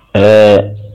Ɛɛ